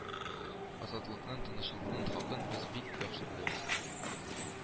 Азатлыкның, тынычлыкның хакын без бик яхшы беләбез